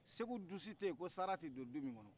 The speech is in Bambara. segou du sii tɛ yen ko sara tɛ don du min kɔnɔ